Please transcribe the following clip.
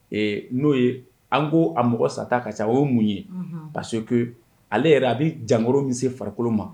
Ee n'o ye an ko a mɔgɔ sata ka ca o ye mun ye ka sokɛ ale yɛrɛ a bɛ jango min se farikolo ma